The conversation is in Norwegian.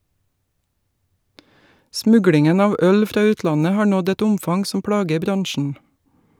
Smuglingen av øl fra utlandet har nådd et omfang som plager bransjen.